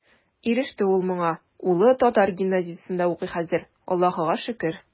Иреште ул моңа, улы татар гимназиясендә укый хәзер, Аллаһыга шөкер.